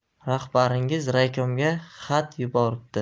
rahbaringiz raykomga xat yuboribdi